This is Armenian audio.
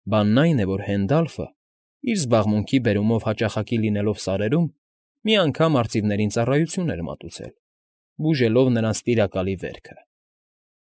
Բանն այն է, որ Հենդալֆը, իր զբաղմունքի բերումով հաճախակի լինելով սարերում, մի անգամ արծիվներին ծառայություն էր մատուցել՝ բուժելով նրանց տիրակալի վերքը։